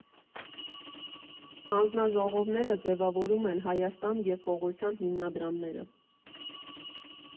Հանձնաժողովները ձևավորում են «Հայաստան» և Պողոսյան հիմնադրամները։